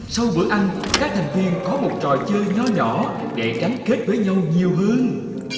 sau bữa ăn các thành viên có một trò chơi nho nhỏ để gắn kết với nhau nhiều hơn